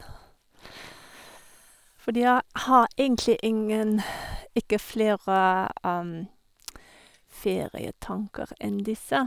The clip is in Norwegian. Fordi jeg har egentlig ingen ikke flere ferietanker enn disse.